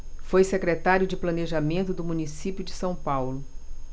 foi secretário de planejamento do município de são paulo